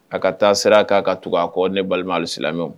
A ka taa sira k'a ka tugu a kɔ ne balima silamɛ